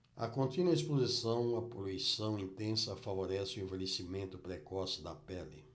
a contínua exposição à poluição intensa favorece o envelhecimento precoce da pele